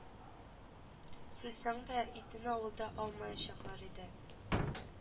Суйсаң да итен авылда алмаячаклар иде